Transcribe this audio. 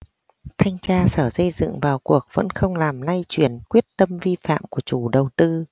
thanh tra sở xây dựng vào cuộc vẫn không làm lay chuyển quyết tâm vi phạm của chủ đầu tư